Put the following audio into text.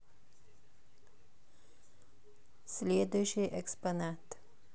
следующий экспонат